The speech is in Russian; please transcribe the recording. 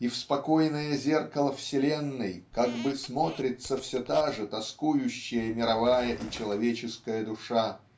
и в спокойное зеркало вселенной как бы смотрится все та же тоскующая мировая и человеческая душа.